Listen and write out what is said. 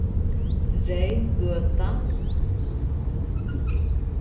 reyngøta